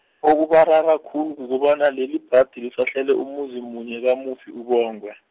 okubarara khulu kukobana lelibhadi lisahlele umuzi munye kamufi uBongwe.